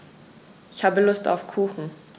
Ich habe Lust auf Kuchen.